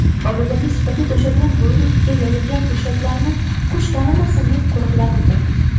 hovlidagi supaga to'shalgan bo'yra ustiga yoyilgan turshaklarni qush talamasin deb qo'riqlab o'tirdim